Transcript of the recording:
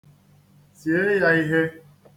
Tie ya ihe.